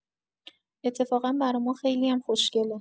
اتفاقا برا ما خیلیم خوشگله